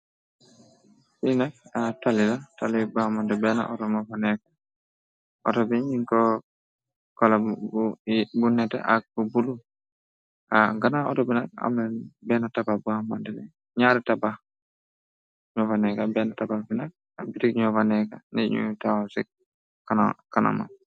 Fi nak a tali la tali bu amanteni benn onekoro bi ñiko kola bu nette ak bu bulu a gana otobinak am benn tabax bu amand ñaari tabax ñofaneeka benn tabax binak bitik ñovaneeka nit ñu tawa ci kanama.